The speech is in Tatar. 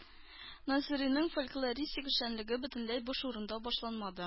Насыйриның фольклористик эшчәнлеге бөтенләй буш урында башланмады